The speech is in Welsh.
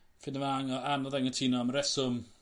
Ffindo fe ango- anodd angytuno am y reswm